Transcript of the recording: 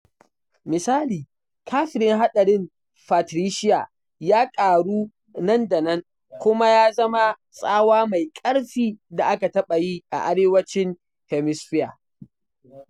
Misali, kafirin hadarin Patricia ya ƙaru nan da nan kuma ya zama tsawa mai ƙarfi da aka taɓa yi a Arewacin Hemisphare.